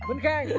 minh khang